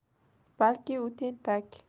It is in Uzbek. balki u tentak